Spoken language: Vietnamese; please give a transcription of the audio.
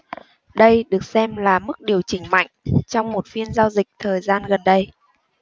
đây được xem là mức điều chỉnh mạnh trong một phiên giao dịch thời gian gần đây